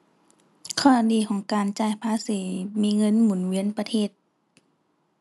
ข้อดีของการจ่ายภาษี มีเงินหมุนเวียนประเทศ